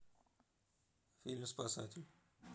фильм спасатель